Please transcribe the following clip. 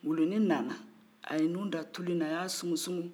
wuluni nana a ye nou da tulu in a y'a sumumu